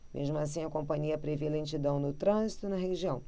mesmo assim a companhia prevê lentidão no trânsito na região